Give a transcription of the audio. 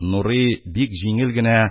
Нурый бик җиңел генә